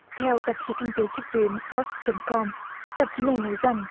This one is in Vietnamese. theo tạp chí kinh tế trực tuyến phóp chấm com tạp chí này nói rằng